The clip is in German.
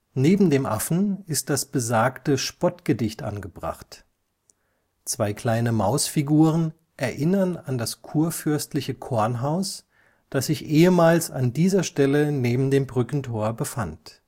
Neben dem Affen ist das besagte Spottgedicht angebracht. Zwei kleine Mausfiguren erinnern an das kurfürstliche Kornhaus, das sich ehemals an dieser Stelle neben dem Brückentor befand